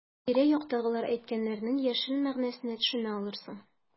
Тирә-яктагылар әйткәннәрнең яшерен мәгънәсенә төшенә алырсың.